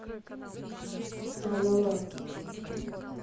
анна лорак